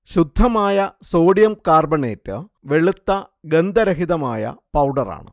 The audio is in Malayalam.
ശുദ്ധമായ സോഡിയം കാർബണേറ്റ് വെളുത്ത ഗന്ധരഹിതമായ പൗഡറാണ്